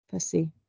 fussy.